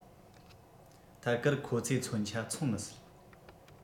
ཐད ཀར ཁོ ཚོས མཚོན ཆ འཚོང མི སྲིད